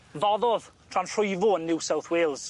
Foddodd tra'n rhwyfo yn New South Wêls.